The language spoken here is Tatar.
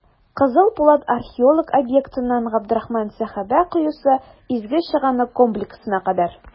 «кызыл пулат» археологик объектыннан "габдрахман сәхабә коесы" изге чыганак комплексына кадәр.